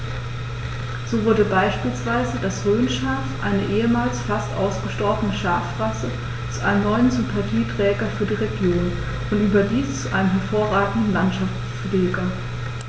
So wurde beispielsweise das Rhönschaf, eine ehemals fast ausgestorbene Schafrasse, zu einem neuen Sympathieträger für die Region – und überdies zu einem hervorragenden Landschaftspfleger.